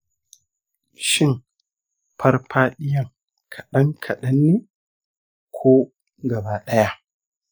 shin farfadiyan kadan-kadan ne ko gaba daya?